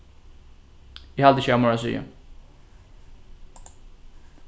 eg haldi ikki eg havi meira at siga